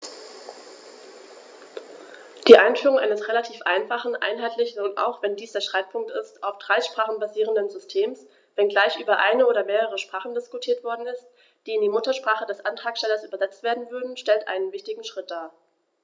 Die Einführung eines relativ einfachen, einheitlichen und - auch wenn dies der Streitpunkt ist - auf drei Sprachen basierenden Systems, wenngleich über eine oder mehrere Sprachen diskutiert worden ist, die in die Muttersprache des Antragstellers übersetzt werden würden, stellt einen wichtigen Schritt dar.